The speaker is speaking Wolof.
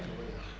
da koy yàq